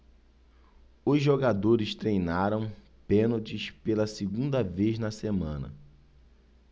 os jogadores treinaram pênaltis pela segunda vez na semana